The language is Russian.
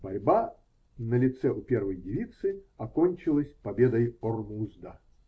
Борьба на лице у первой девицы окончилась победой Ормузда.